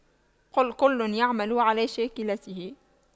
قُل كُلٌّ يَعمَلُ عَلَى شَاكِلَتِهِ